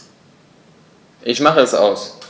Ich mache es aus.